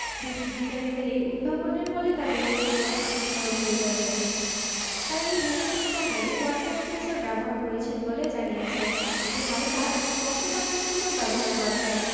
প্রচারে আসার পর সত্যিই দর্শকরা ভালোভাবে নিচ্ছেন নাটকগুলো আশাকরি শেষ পর্যন্ত গল্পের ধারাবাহিকতা থাকবে এ নাটকের মাধ্যমেই এবারই প্রথম এক ধারাবাহিকে একসঙ্গে অভিনয় করছেন মোশাররফ করিম